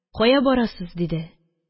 Кая барасыз? – диде